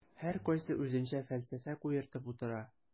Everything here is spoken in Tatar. Һәркайсы үзенчә фәлсәфә куертып утыра.